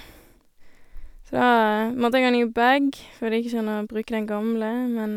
Så da måtte jeg ha ny bag, for det gikk ikke an å bruke den gamle, men...